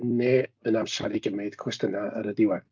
Neu yn amser i gymryd cwestiynau ar y diwedd.